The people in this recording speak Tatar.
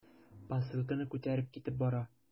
Посылканы күтәреп китеп бара.